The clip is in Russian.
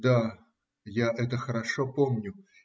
Да, я это хорошо помню.